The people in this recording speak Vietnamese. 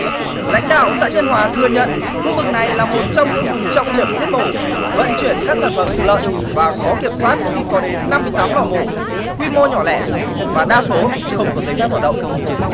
lãnh đạo xã nhân hòa thừa nhận khu vực này là một trong những vùng trọng điểm giết mổ vận chuyển các sản phẩm từ lợn và khó kiểm soát khi có đến năm mươi tám lò mổ quy mô nhỏ lẻ và đa số không có giấy phép hoạt động